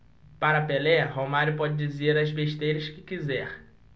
para pelé romário pode dizer as besteiras que quiser